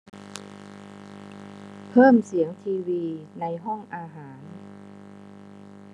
เพิ่มเสียงทีวีในห้องอาหาร